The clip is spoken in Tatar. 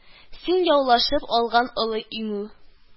Син яулашып алган олы иңү